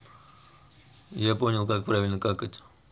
я понял как правильно какать